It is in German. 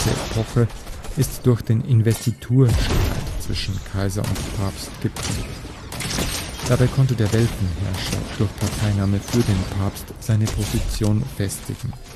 Epoche ist durch den Investiturstreit zwischen Kaiser und Papst geprägt. Dabei konnte der Welfenherrscher durch Parteinahme für den Papst seine Position festigen